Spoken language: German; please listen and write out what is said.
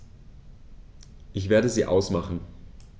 Ich werde sie ausmachen.